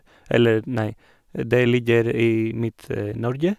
eller nei, Det ligger i Midt-Norge.